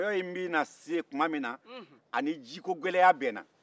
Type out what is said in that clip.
nkɔyɔ bɛna se tuma min na a ni jikogɛlɛya bɛnna